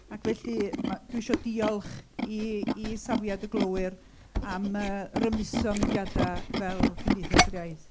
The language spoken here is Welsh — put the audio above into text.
ac felly ma'... dwi eisiau diolch i i safiad y glowyr am yy rymuso mudiadau fel Cymdeithas yr Iaith.